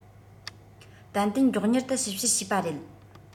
ཏན ཏན མགྱོགས མྱུར དུ ཞིབ བཤེར བྱས པ རེད